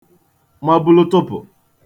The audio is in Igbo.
mabulutụpụ